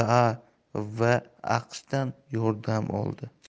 uchun xitoy baa va aqshdan yordam oldi